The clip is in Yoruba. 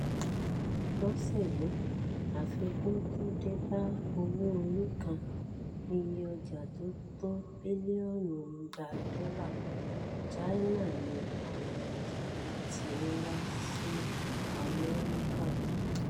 Lọ́sẹ̀ yí àfikún tó dé bá owó-orí kan iye ọjà tó tó bílíọ́nù 200 dọ́là. China ni àwọn ọjà yí tí ń wá sí Amẹ́ríkà.